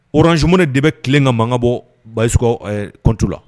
Ouranzsmuni de bɛ tile ka mankan bɔ basiyis kɔntu la